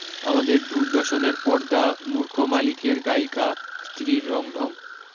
আমাদের দূরদর্শনের পর্দা মূর্খ মালিকের গায়িকা স্ত্রীর রঙঢং